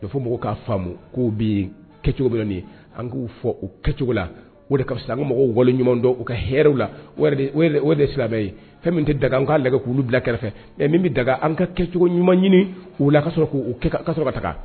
Bɛ fɔ mɔgɔw'a faamu ko bɛ yen kɛcogo an k'u fɔ u kɛcogo la o de mɔgɔw wale ɲuman u ka hw la o de silamɛ ye fɛn min tɛ daga an ka k' bila kɛrɛfɛ min bɛ daga an ka kɛcogo ɲuman ɲini la ka sɔrɔ k' ka sɔrɔ ka taa